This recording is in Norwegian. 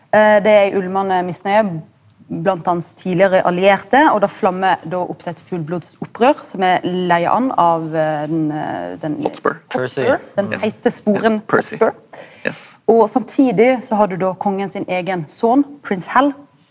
det er ei ulmande misnøye blant hans tidlegare allierte og det flammar då opp til eit fullblods opprør som er leia an av den den Hotspur den heite sporen Hotspur og samtidig så har du då kongen sin eigen son prins Hal.